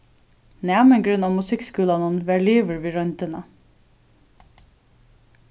næmingurin á musikkskúlanum varð liðugur við royndina